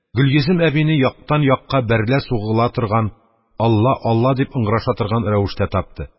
Гөлйөзем әбине яктан якка бәрелә-сугыла торган, «Алла, Алла!» дип ыңгыраша торган рәвештә тапты,